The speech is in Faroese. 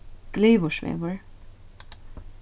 glyvursvegur